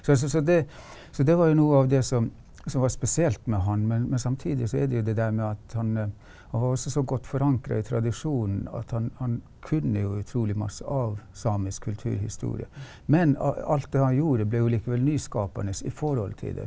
så altså så det så det var jo noe av det som som var spesielt med han, men men samtidig så er det jo det der med at han var også så godt forankret i tradisjonen at han han kunne jo utrolig masse av samisk kulturhistorie men alt det han gjorde ble jo likevel nyskapende i forhold til det.